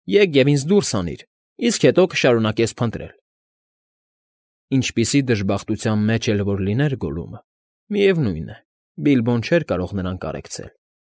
Եկ և ինձ դուրս հանիր, իսկ հետո կշարունակես փնտրել… Ինչպիսի դժբախտության մեջ էլ որ լիներ Գոլլումը, միևնույն է, Բիլբոն չէր կարող նրան կարեկցել։